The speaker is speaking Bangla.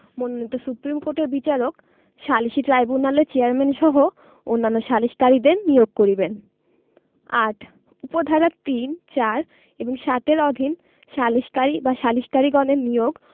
মনোনীত সুপ্রীম কোর্টের বিচারক সালিসী ট্রাইব্যুনালের চেয়ারম্যানসহ অন্যান্য সালিসকারীদের নিয়োগ করিবেন ৮ উপ ধারা ৩ ৪ এবং ৭ এর অধীন সালিসকারী বা সালিসকারীগণের নিয়োগ